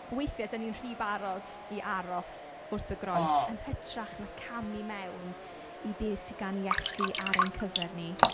Weithiau, dan ni'n rhy barod i aros wrth y groes, yn hytrach na camu mewn i beth sydd gan Iesu ar ein cyfer ni.